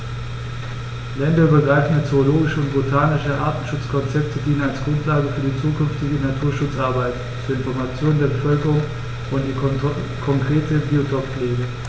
Länderübergreifende zoologische und botanische Artenschutzkonzepte dienen als Grundlage für die zukünftige Naturschutzarbeit, zur Information der Bevölkerung und für die konkrete Biotoppflege.